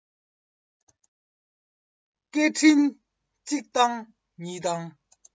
སྐད འཕྲིན གཅིག བཏང གཉིས བཏང